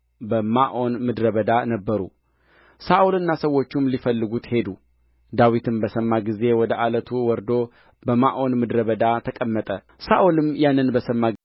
በማዖን ምድረ በዳ ነበሩ ሳኦልና ሰዎቹም ሊፈልጉት ሄዱ ዳዊትም በሰማ ጊዜ ወደ ዓለቱ ወርዶ በማዖን ምድረ በዳ ተቀመጠ ሳኦልም ያንን በሰማ